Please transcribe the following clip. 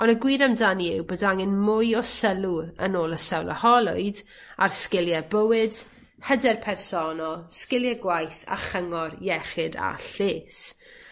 on' y gwir amdani yw bod angen mwy o sylw yn ôl y sawl â holwyd ar sgilie bywyd, hyder personol, sgilie gwaith, a chyngor iechyd a lles